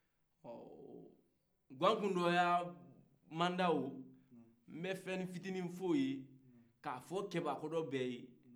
ka fɔ cɛbakɔrɔ bɛ ye ikana da muso la